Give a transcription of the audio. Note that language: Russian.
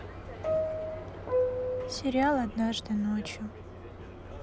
сериал однажды ночью